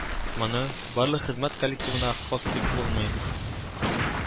Моны барлык хезмәт коллективына хас дип булмый